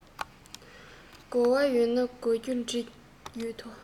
གོ བ ཡོད ན གོ རྒྱུ བྲིས ཡོད དོ